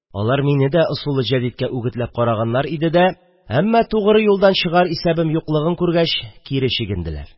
Алар мине дә ысулы җәдидәгә үгетләп караганнар иде дә, әммә тугры юлдан чыгар исәбем юклыгын күргәч, кире чигенделәр